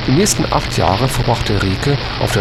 nächsten acht Jahre verbrachte Rieke auf